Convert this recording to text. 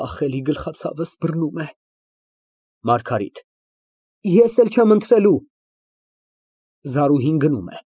Ահ, էլի գլխացավս բռնում է։ ՄԱՐԳԱՐԻՏ ֊ Ես էլ չեմ ընթրելու։ (Զարուհին գնում է)։